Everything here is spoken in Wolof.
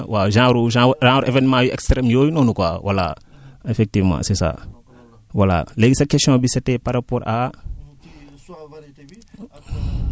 waaw vent violent dënnu ah waaw genre genre événement yu extrème yooyu noonu quoi voilà effectivement c' est ça voilà léegi sa question bi c' etait par rapport à